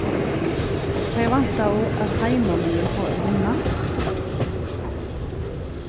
tey væntaðu at heimaliðið fór at vinna